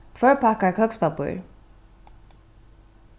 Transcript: tveir pakkar køkspappír